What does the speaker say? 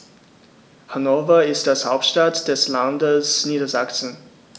Hannover ist die Hauptstadt des Landes Niedersachsen.